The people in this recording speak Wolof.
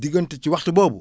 diggante ci waxtu boobu